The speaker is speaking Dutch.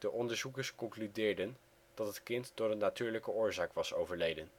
onderzoekers concludeerden dat het kind door een natuurlijke oorzaak was overleden